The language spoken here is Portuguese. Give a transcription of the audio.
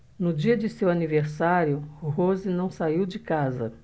no dia de seu aniversário rose não saiu de casa